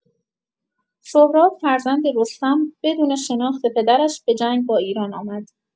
سهراب، فرزند رستم، بدون شناخت پدرش به جنگ با ایران آمد.